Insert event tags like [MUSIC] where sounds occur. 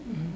[HESITATION]